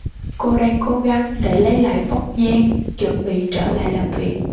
cô đang cố gắng để lấy lại vóc dáng chuẩn bị trở lại làm việc